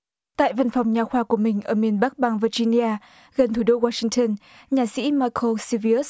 tại văn phòng nha khoa của mình ở miền bắc bang vơ gi ni a gần thủ đô oa sinh tơn nha sĩ mai cô si vi ớt